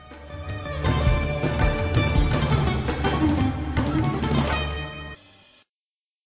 music